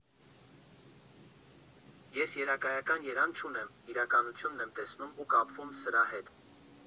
Ես երևակայական Երևան չունեմ՝ իրականությունն եմ տեսնում ու կապվում սրա հետ։